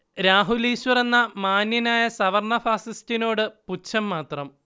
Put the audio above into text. രാഹുൽ ഈശ്വർ എന്ന മാന്യനായ സവർണ്ണ ഫാസിസ്റ്റ്നോട് പുച്ഛം മാത്രം